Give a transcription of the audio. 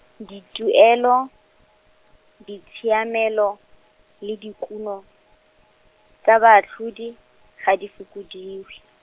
dituelo, ditshiamelo, le dikuno, tsa baatlhodi, ga di fokodiwe.